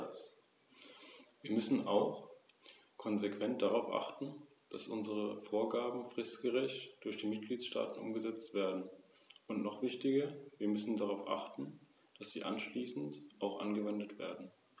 Der Grund ist, dass einige Mitgliedstaaten - auch Italien und Spanien - die Annahme des geplanten dreisprachigen Übersetzungssystems mehrfach abgelehnt haben, das sich letztendlich tatsächlich als diskriminierend erweisen würde, da es eklatant gegen den Grundsatz der Gleichstellung aller Amtssprachen der Europäischen Union verstoßen hätte.